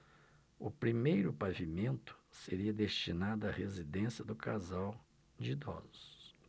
o primeiro pavimento seria destinado à residência do casal de idosos